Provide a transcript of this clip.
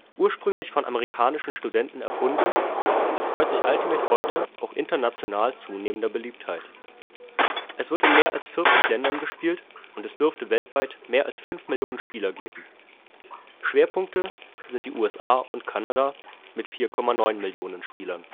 Ursprünglich von amerikanischen Studenten erfunden, erfreut sich Ultimate heute auch international zunehmender Beliebtheit. Es wird in mehr als 40 Ländern gespielt und es dürfte weltweit mehr als 5 Millionen Spieler geben. Schwerpunkte sind die USA und Kanada mit 4,9 Millionen Spielern